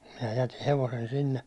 minä jätin hevosen sinne